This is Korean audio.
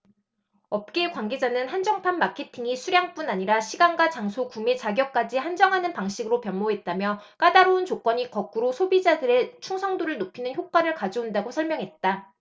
업계 관계자는 한정판 마케팅이 수량뿐 아니라 시간과 장소 구매자격까지 한정하는 방식으로 변모했다며 까다로운 조건이 거꾸로 소비자들의 충성도를 높이는 효과를 가져온다고 설명했다